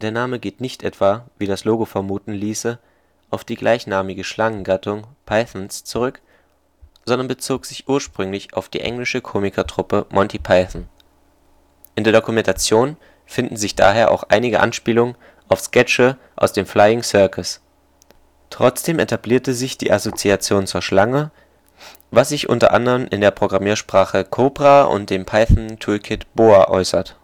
Name geht nicht etwa (wie das Logo vermuten ließe) auf die gleichnamige Schlangengattung (Pythons) zurück, sondern bezog sich ursprünglich auf die englische Komikertruppe Monty Python. In der Dokumentation finden sich daher auch einige Anspielungen auf Sketche aus dem Flying Circus. Trotzdem etablierte sich die Assoziation zur Schlange, was sich unter anderem in der Programmiersprache Cobra sowie dem Python-Toolkit „ Boa “äußert